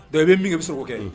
Don i bɛ min bɛ se kɛ